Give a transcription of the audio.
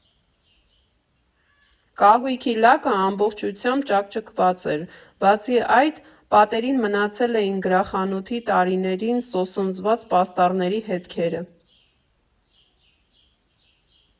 Կահույքի լաքը ամբողջությամբ ճաքճքած էր, բացի այդ, պատերին մնացել էին գրախանութի տարիներին սոսնձված պաստառների հետքերը.